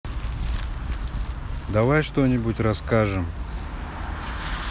давай что нибудь расскажем